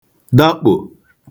dakpò